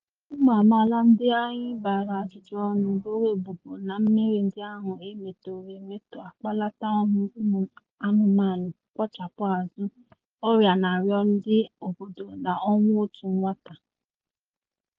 Ụmụ amaala ndị anyị gbara ajụjụọnụ boro ebubo na mmiri ndị ahụ e metọrọ emetọ akpatala ọnwụ ụmụanụmanụ, mkpochapụ azụ, ọrịa na-arịa ndị obodo, na ọnwụ otu nwata.